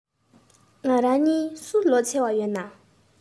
ང རང གཉིས སུ ལོ ཆེ བ ཡོད ན